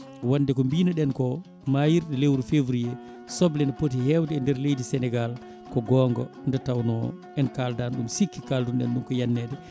wonde ko mbino ɗen ko mayirɗe lewru février soble ene pooti hewde e nder leydi Sénégal ko gonga nde tawno en kaldzno ɗum sikki kaldunoɗen ɗum ko yenanede